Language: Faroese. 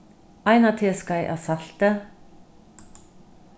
eina teskeið av salti